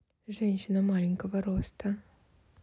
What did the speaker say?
женщина маленького роста